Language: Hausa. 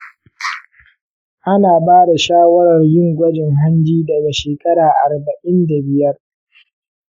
ana ba da shawarar yin gwajin hanji daga shekara arba'in da biyar.